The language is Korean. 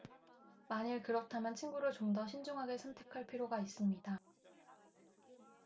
만일 그렇다면 친구를 좀 더 신중하게 선택할 필요가 있습니다